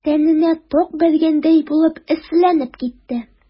Тәненә ток бәргәндәй булып эсселәнеп китте.